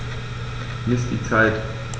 Miss die Zeit.